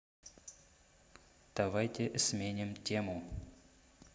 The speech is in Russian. давайте сменим тему